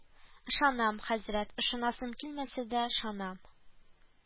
Ышанам, хәзрәт, ышанасым килмәсә дә ышанам